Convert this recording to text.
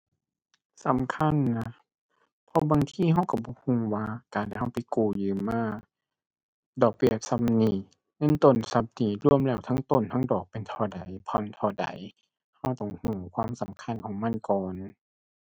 สำคัญนะ เพราะบางทีเราเราบ่เราว่าการที่เราไปกู้ยืมมา ดอกเบี้ยส่ำนี้ เงินต้นส่ำนี้ รวมแล้วทั้งต้นทั้งดอกเป็นเท่าใด ผ่อนเท่าใด เราต้องเราความสำคัญของมันก่อน